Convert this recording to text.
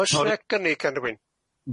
Oes 'na gynnig gan rywun?